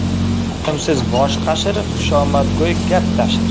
ilmsiz bosh qashir xushomadgo'y gap tashir